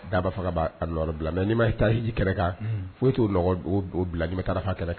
Daba faga b'a nɔrɔbila mais n'i ma taa hiji kɛlɛ kan, foyi t'o nɔrɔbila n'i ma taa arafa kɛnɛ kan